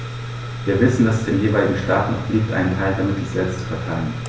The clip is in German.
Wir wissen, dass es den jeweiligen Staaten obliegt, einen Teil der Mittel selbst zu verteilen.